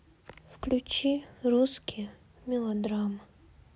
включи русские мелодрамы